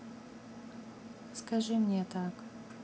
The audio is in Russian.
скажи мне так